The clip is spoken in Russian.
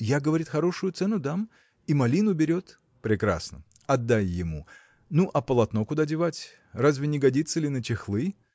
Я, говорит, хорошую цену дам, и малину берет. – Прекрасно! отдай ему. Ну, а полотно куда девать? разве не годится ли на чехлы?.